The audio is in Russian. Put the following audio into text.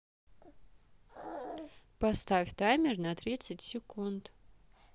поставь таймер на тридцать секунд